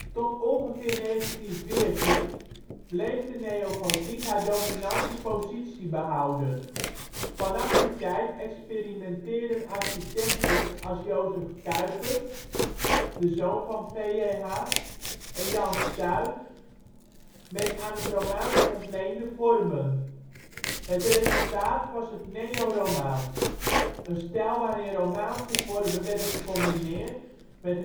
Tot ongeveer 1914 bleef de neogotiek haar dominante positie behouden. Vanaf die tijd experimenteerden architecten als Joseph Cuypers (de zoon van P.J.H.) en Jan Stuyt met aan het romaans ontleende vormen. Het resultaat was het neoromaans, een stijl waarin Romaanse vormen werden gecombineerd met